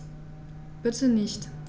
Bitte nicht.